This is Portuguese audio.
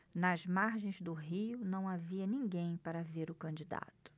nas margens do rio não havia ninguém para ver o candidato